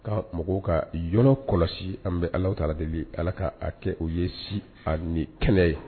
Ka mɔgɔw ka yɔrɔ kɔlɔsi an bɛ ala ta debi ala k'a kɛ u ye si a ni kɛnɛ ye